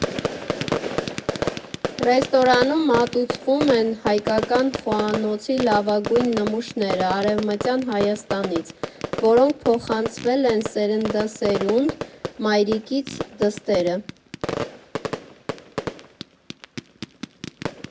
Ռեստորանում մատուցվում են հայկական խոհանոցի լավագույն նմուշները Արևմտյան Հայաստանից, որոնք փոխանցվել են սերնդեսերունդ, մայրիկից դստերը։